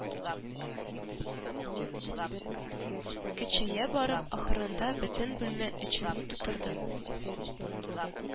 Көчәя барып, ахырында бөтен бүлмә эчен тутырды